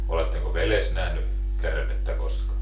oletteko vedessä nähnyt käärmettä koskaan